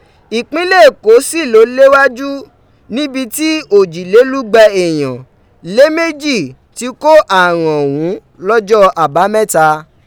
Ipinlẹ Eko si lo lewaju nibi ti ojilelugba eeyan le meji ti ko arun ọhun lọjọ Abamẹta.